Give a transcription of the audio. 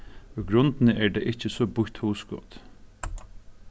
í grundini er tað ikki so býtt hugskot